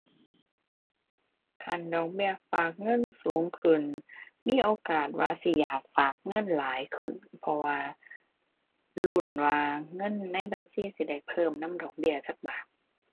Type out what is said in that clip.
คันดอกเบี้ยฝากเงินสูงขึ้น มีโอกาสว่าสิอยากฝากเงินหลายขึ้น เพราะว่าลุ้นว่าเงินในบัญชีสิได้เพิ่มนำดอกเบี้ยจักบาท